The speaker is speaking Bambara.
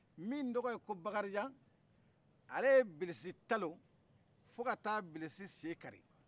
min tɔgɔ ko bakarijan ale ye bilisi talon fo ka taa bilissi sen kari